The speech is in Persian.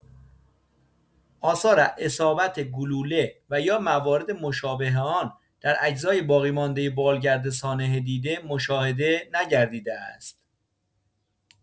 آثار اصابت گلوله و یا موارد مشابه آن در اجزای باقی‌مانده بالگرد سانحه دیده مشاهده نگردیده است.